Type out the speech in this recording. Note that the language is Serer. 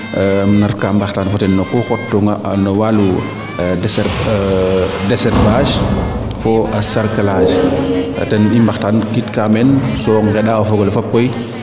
narka mbaxtaan fo ten no ku xetoona no waalu desherbage fo sarclage ten i mbaxtanit kaa meen so ŋendaa o fogole fop koy